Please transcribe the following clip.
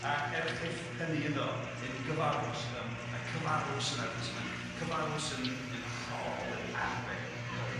Ac erchyll hynny iddo, yn gyfarws, yym mae cyfarws yn air pwysig, ma'n cyfarws yn yn rhodd, yn anreg. Reit.